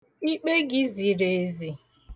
Ikpe gị ziri ezi.